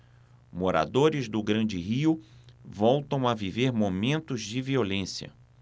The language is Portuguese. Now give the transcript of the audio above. moradores do grande rio voltam a viver momentos de violência